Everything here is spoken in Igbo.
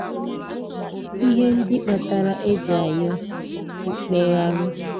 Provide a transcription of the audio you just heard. Ihe ndị kpatara e ji arịọ mkpegharị